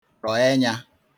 rọ enyā